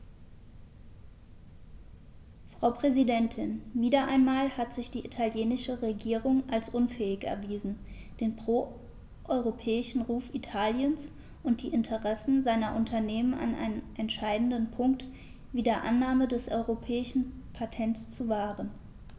Frau Präsidentin, wieder einmal hat sich die italienische Regierung als unfähig erwiesen, den pro-europäischen Ruf Italiens und die Interessen seiner Unternehmen an einem entscheidenden Punkt wie der Annahme des europäischen Patents zu wahren.